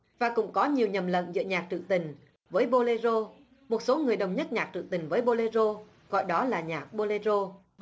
và cũng có nhiều nhầm lẫn giữa nhạc trữ tình với bô lê rô một số người đồng nhất nhạc trữ tình với bô lê rô gọi đó là nhạc bô lê rô